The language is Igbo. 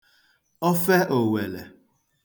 ọfẹ òwèlè